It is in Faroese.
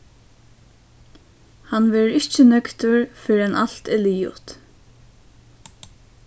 hann verður ikki nøgdur fyrr enn alt er liðugt